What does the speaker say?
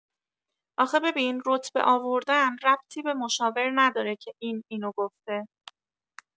آخه ببین رتبه آوردن ربطی به مشاور نداره که این اینو گفته